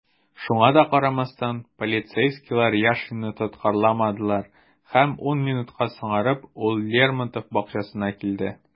Шуңа да карамастан, полицейскийлар Яшинны тоткарламадылар - һәм ун минутка соңарып, ул Лермонтов бакчасына килде.